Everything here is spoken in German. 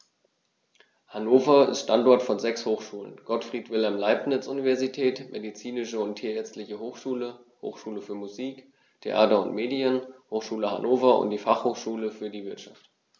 Hannover ist Standort von sechs Hochschulen: Gottfried Wilhelm Leibniz Universität, Medizinische und Tierärztliche Hochschule, Hochschule für Musik, Theater und Medien, Hochschule Hannover und die Fachhochschule für die Wirtschaft.